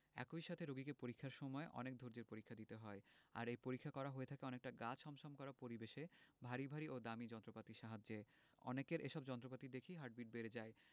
একই সাথে রোগীকে পরীক্ষার সময় অনেক ধৈর্য্যের পরীক্ষা দিতে হয় আর এই পরীক্ষা করা হয়ে থাকে অনেকটা গা ছমছম করা পরিবেশে ভারী ভারী ও দামি যন্ত্রপাতির সাহায্যে অনেকের এসব যন্ত্রপাতি দেখেই হার্টবিট বেড়ে যায়